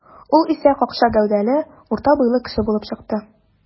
Ул исә какча гәүдәле, урта буйлы кеше булып чыкты.